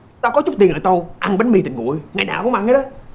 tao có chút tiền là tao ăn bánh mì thịt nguội ngày nào cũng ăn hết á